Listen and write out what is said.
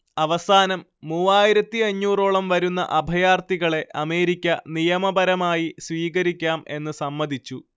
അവസാനം മൂവായിരത്തിയഞ്ഞൂറോളം വരുന്ന അഭയാർത്ഥികളെ അമേരിക്ക നിയമപരമായി സ്വീകരിക്കാം എന്ന് സമ്മതിച്ചു